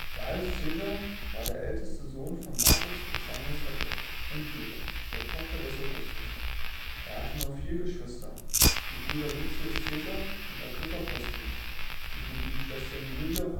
Caesar war der älteste Sohn von Marcus Vipsanius Agrippa und Iulia, der Tochter des Augustus. Er hatte noch vier Geschwister: die Brüder Lucius Caesar und Agrippa Postumus sowie die Schwestern Iulia